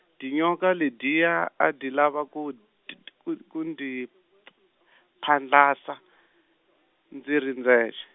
dyinyoka ledyiya a dyi lava ku d- d- ku ku dyi p- phyandlasa, ndzi ri ndzexe.